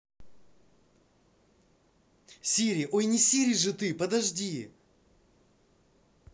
сири ой не сири же ты подожди